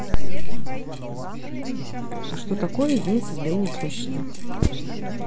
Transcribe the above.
что такое единица измерения площади